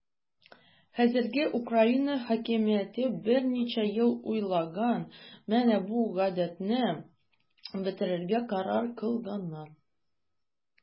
Хәзерге Украина хакимияте берничә ел уйлаган, менә бу гадәтне бетерергә карар кылганнар.